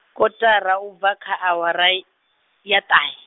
kaṱara u bva kha awara, ya ṱahe.